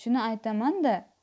shuni aytaman da